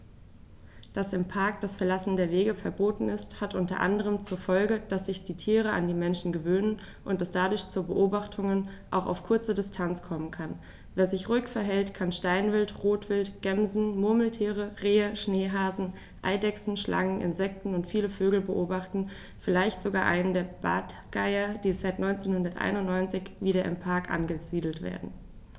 Dass im Park das Verlassen der Wege verboten ist, hat unter anderem zur Folge, dass sich die Tiere an die Menschen gewöhnen und es dadurch zu Beobachtungen auch auf kurze Distanz kommen kann. Wer sich ruhig verhält, kann Steinwild, Rotwild, Gämsen, Murmeltiere, Rehe, Schneehasen, Eidechsen, Schlangen, Insekten und viele Vögel beobachten, vielleicht sogar einen der Bartgeier, die seit 1991 wieder im Park angesiedelt werden.